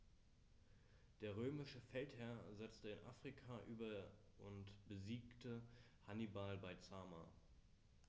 Der römische Feldherr setzte nach Afrika über und besiegte Hannibal bei Zama.